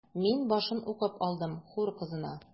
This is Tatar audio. Мин башын укып алдым: “Хур кызына”.